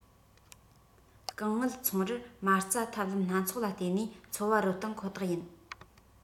རྐང དངུལ ཚོང རར མ རྩ ཐབས ལམ སྣ ཚོགས ལ བརྟེན ནས འཚོ བ རོལ སྟངས ཁོ ཐག ཡིན